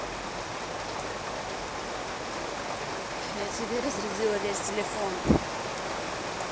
я тебе разрядила весь телефон